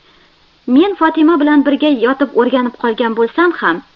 men fotima bilan birga yotib o'rganib qolgan bo'lsam ham